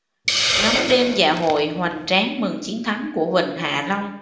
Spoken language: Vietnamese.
ngắm đêm dạ hội hoành tráng mừng chiến thắng của vịnh hạ long